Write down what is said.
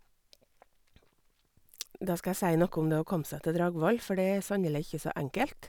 Da skal jeg si noe om det å komme seg til Dragvoll, for det er sannelig ikke så enkelt.